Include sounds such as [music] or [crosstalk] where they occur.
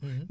[hesitation] [hesitation]